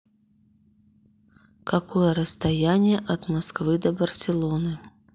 какое расстояние от москвы до барселоны